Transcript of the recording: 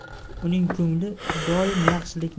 uning ko'ngli doim